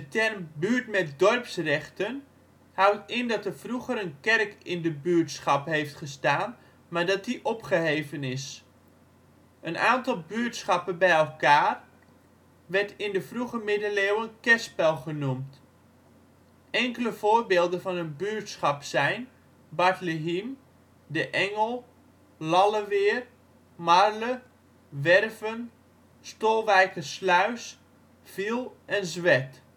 term " buurt met dorpsrechten " houdt in dat er vroeger een kerk in de buurtschap heeft gestaan, maar dat die opgeheven is. Een aantal buurtschappen bij elkaar werd in de vroege middeleeuwen kerspel genoemd [bron?]. Enkele voorbeelden van een buurtschap zijn Bartlehiem, De Engel, Lalleweer, Marle, Werven, Stolwijkersluis, Viel en Zweth